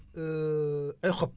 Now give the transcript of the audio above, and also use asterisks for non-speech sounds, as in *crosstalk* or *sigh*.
*hesitation* ay xob